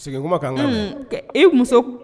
Sigi kumakan e muso